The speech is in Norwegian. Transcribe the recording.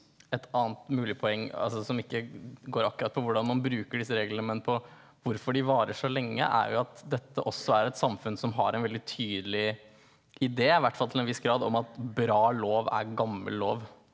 et annet mulig poeng altså som ikke går akkurat på hvordan man bruker disse reglene men på hvorfor de varer så lenge er jo at dette også er et samfunn som har en veldig tydelig idé i hvert fall til en viss grad om at bra lov er gammel lov.